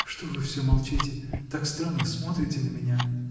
— Что вы всё молчите, так странно смотрите на меня!